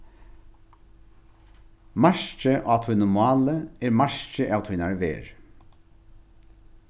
markið á tínum máli er markið av tínari verð